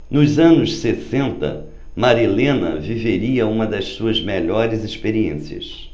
nos anos sessenta marilena viveria uma de suas melhores experiências